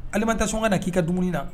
Hali taa sɔn ka na k'i ka dumuni na